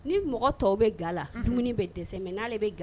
Ni mɔgɔ tɔw bɛ ga la, unhun, dumuni bɛ dɛsɛ mais n'ale bɛ ga